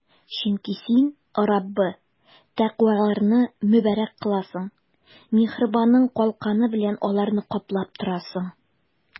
Чөнки Син, Раббы, тәкъваларны мөбарәк кыласың, миһербаның калканы белән аларны каплап торасың.